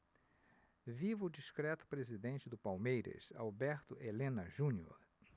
viva o discreto presidente do palmeiras alberto helena junior